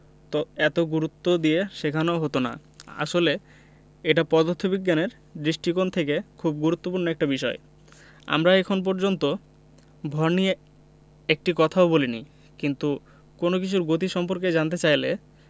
এত গুরুত্ব দিয়ে শেখানো হতো না আসলে এটা পদার্থবিজ্ঞানের দৃষ্টিকোণ থেকে খুব গুরুত্বপূর্ণ একটা বিষয় আমরা এখন পর্যন্ত ভর নিয়ে একটি কথাও বলিনি কিন্তু কোনো কিছুর গতি সম্পর্কে জানতে চাইলে